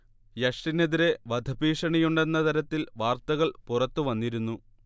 യഷിനെതിരേ വധഭീഷണിയുണ്ടെന്ന തരത്തിൽ വാർത്തകൾ പുറത്ത് വന്നിരുന്നു